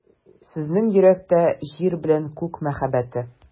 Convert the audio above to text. Сезнең йөрәктә — Җир белә Күк мәхәббәте.